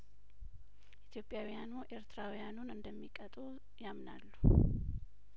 ኢትዮጵያውያኑ ኤርትራውያኑን እንደሚቀጡ ያምናሉ